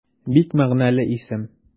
Бик мәгънәле исем.